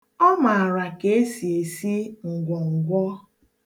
Ọ maara ka esi esi ngwọngwọ.